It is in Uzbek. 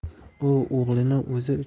u o'g'lini o'zi uchun